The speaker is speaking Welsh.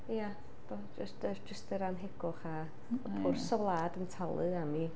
Ia, bod jyst yr jyst anhegwch a pwrs y wlad yn talu am ei...